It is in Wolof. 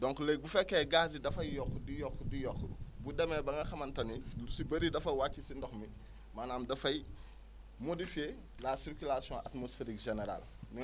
donc léegi bu fekkee gaz yi dafay yokk di yokk di yokk bu demee ba nga xamante ni lu si bëri dafa wàcc si ndox mi maanaam dafay modifier la circulation atmosphérique générale